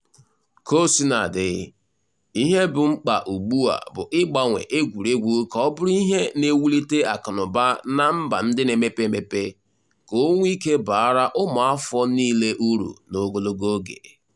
Kaosinadị, ihe bụ mkpa ugbua bụ ịgbanwe egwuregwu ka ọ bụrụ ihe na-ewulite akụnaụba na mba ndị na-emepe emepe ka o nwee ike baara ụmụafọ niile uru n'ogologo oge.